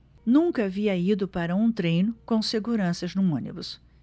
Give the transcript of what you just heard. nunca havia ido para um treino com seguranças no ônibus